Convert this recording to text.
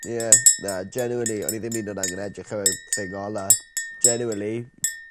Ie na genuinely o'n i ddim 'yd yn o'd angen edrych ar y thing ola. Genuinely